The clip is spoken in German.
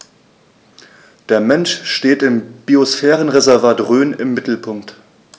Der Mensch steht im Biosphärenreservat Rhön im Mittelpunkt.